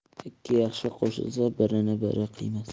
ikki yaxshi qo'shilsa birini biri qiymas